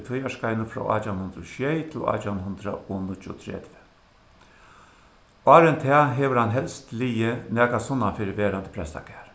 tíðarskeiðinum frá átjan hundrað og sjey til átjan hundrað og níggjuogtretivu áðrenn tað hevur hann helst ligið nakað sunnan fyri verandi prestagarð